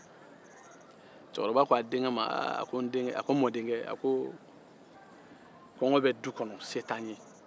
cɛkɔrɔba ko a mɔdenkɛ ma ko kɔngɔ bɛ du kɔnɔ se t'an ye